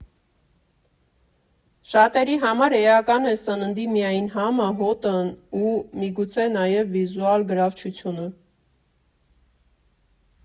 Շատերի համար էական է սննդի միայն համը, հոտն ու, միգուցե, նաև վիզուալ գրավչությունը։